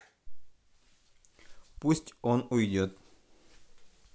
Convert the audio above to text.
пусть он уйдет